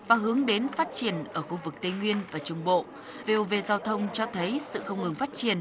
và hướng đến phát triển ở khu vực tây nguyên và trung bộ vê ô vê giao thông cho thấy sự không ngừng phát triển